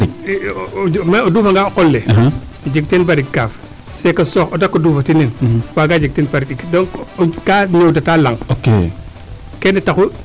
o duufa nga o qol le jeg teen barik kaaf a seeka sutoox o dako duufati nin waaga jeg teen parik ɗik donc kaa ñoowda ta laŋ keene taxu